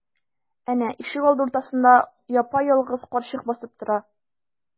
Әнә, ишегалды уртасында япа-ялгыз карчык басып тора.